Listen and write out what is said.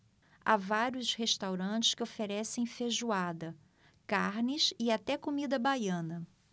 há vários restaurantes que oferecem feijoada carnes e até comida baiana